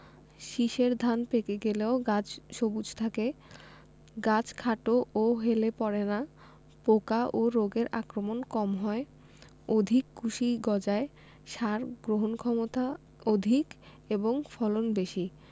শীষের ধান পেকে গেলেও গাছ সবুজ থাকে গাছ খাটো ও হেলে পড়ে না পোকা ও রোগের আক্রমণ কম হয় অধিক কুশি গজায় সার গ্রহণক্ষমতা অধিক এবং ফলন বেশি